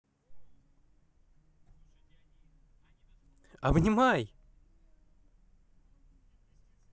обнимай